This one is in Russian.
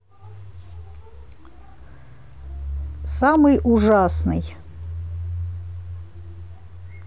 самый ужасный